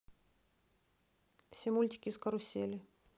все мультики из карусели